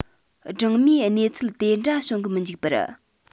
སྦྲང མས གནས ཚུལ དེ འདྲ བྱུང གི མི འཇུག པར